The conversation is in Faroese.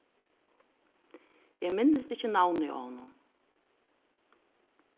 eg minnist ikki navnið á honum